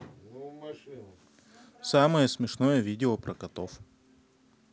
самое смешное видео про котов